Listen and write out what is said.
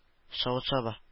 Савыт-саба